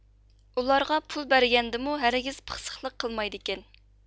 ئۇلارغا پۇل بەرگەندىمۇ ھەرگىز پىخسىقلىق قىلمايدىكەن